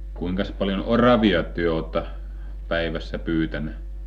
kuinkas paljon oravia te olette päivässä pyytänyt